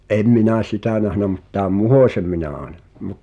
en minä sitä nähnyt mutta tämän Muhosen minä aina